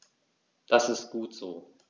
Das ist gut so.